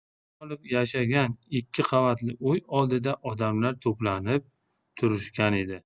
hikmat o'rolov yashagan ikki qavatli uy oldida odamlar to'planib turishgan edi